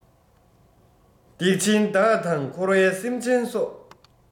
སྡིག ཆེན བདག དང འཁོར བའི སེམས ཅན སོགས